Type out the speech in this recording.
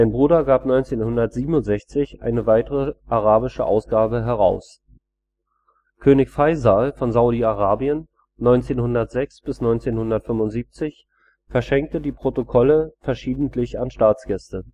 Bruder gab 1967 eine weitere arabische Ausgabe heraus. König Faisal von Saudi-Arabien (1906 – 1975) verschenkte die Protokolle verschiedentlich an Staatsgäste